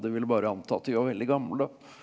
de ville bare anta at de var veldig gamle.